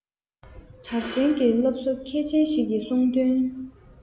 གྲགས ཅན གྱི སློབ གསོ མཁས ཅན ཞིག གིས གསུངས དོན